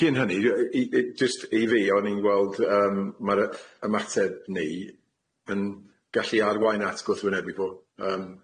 Cyn hynny yy i i jyst i fi o'n i'n gweld yym ma'r yy ymateb ni yn gallu arwain at gwrthwynebu fo yym